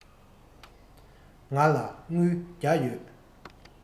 ང ལ སྒོར བརྒྱ ཡོད